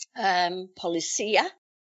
Yym polisia.